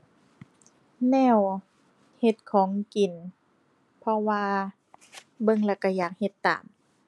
แนว เฮ็ดของกิน เพราะว่า เบิ่งแล้วก็อยากเฮ็ดตาม